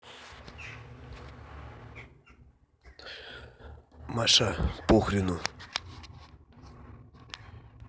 маша похрену